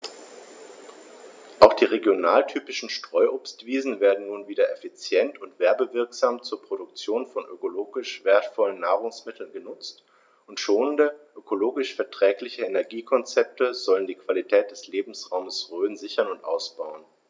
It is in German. Auch die regionaltypischen Streuobstwiesen werden nun wieder effizient und werbewirksam zur Produktion von ökologisch wertvollen Nahrungsmitteln genutzt, und schonende, ökologisch verträgliche Energiekonzepte sollen die Qualität des Lebensraumes Rhön sichern und ausbauen.